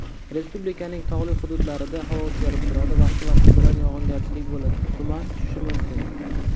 respublikaning tog'li hududlarida havo o'zgarib turadi vaqti vaqti bilan yog'ingarchilik bo'ladi tuman tushishi mumkin